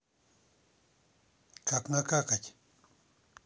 как накакать